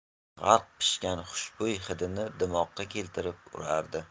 g'arq pishgan xushbo'y hidini dimoqqa keltirib urardi